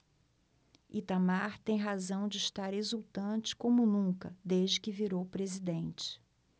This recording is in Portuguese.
itamar tem razão de estar exultante como nunca desde que virou presidente